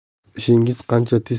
ishingiz qancha tez